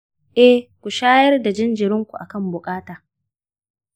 eh, ku shayar da jinjirinku akan buƙata